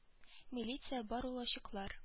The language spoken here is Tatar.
Милиция бар ул ачыклар